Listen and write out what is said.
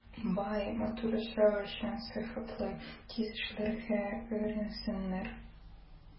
Бай, матур яшәү өчен сыйфатлы, тиз эшләргә өйрәнсеннәр.